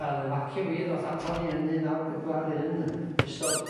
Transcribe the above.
Wel efaciwî ddoth ato ni yn un naw pedwar un yn ystod